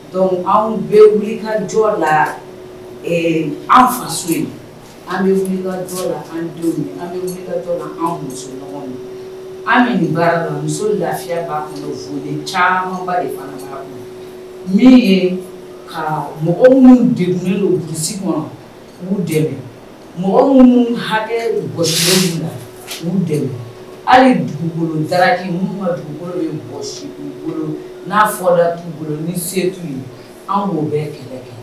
Dɔnku anw bɛ wulika jɔ la an faso ye an bɛ an bɛ baara la muso lafiya caman min ye ka mɔgɔ minnu de dususi kɔnɔ b'u mɔgɔ minnu hakɛ bɔ b'u hali dugukoloki minnu dugukolo n'a fɔra bolo ni se anw' bɛɛ kɛlɛ